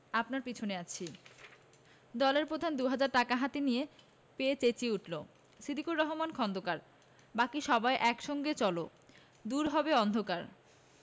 আপনার পেছনে আছি দলের প্রধান দু'হাজার টাকা হাতে পেয়ে চেঁচিয়ে ওঠল সিদ্দিকুর রহমান খোন্দকার বাকি সবাই এক সঙ্গে চল দূর হবে অন্ধকার